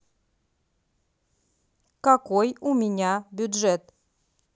какой у меня бюджет